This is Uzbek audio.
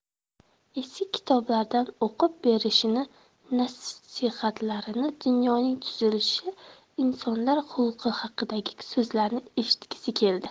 eski kitoblardan o'qib berishini nasihatlarini dunyoning tuzilishi insonlar xulqi haqidagi so'zlarini eshitgisi keldi